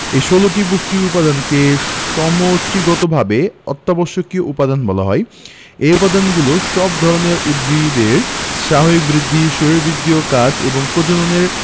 এ ১৬টি পুষ্টি উপাদানকে সমষ্টিগতভাবে অত্যাবশ্যকীয় উপাদান বলা হয় এই উপাদানগুলো সব ধরনের উদ্ভিদের স্বাভাবিক বৃদ্ধি শারীরবৃত্তীয় কাজ এবং প্রজননের